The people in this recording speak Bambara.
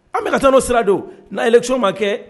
An bɛna taa n'o sira don n'aɛlɛn ma kɛ